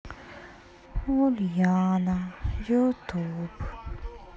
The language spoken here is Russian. ульяна ютуб